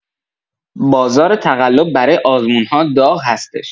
بازار تقلب برای آزمون‌‌ها داغ هستش!